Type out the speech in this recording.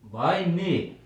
vai niin